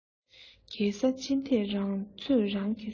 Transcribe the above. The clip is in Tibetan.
གས ས ཅི ཐད རང ཚོད རང གིས བཟུང